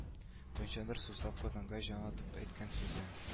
Кайчандыр сусап казанга җан атып әйткән сүзен